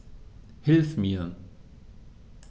Hilf mir!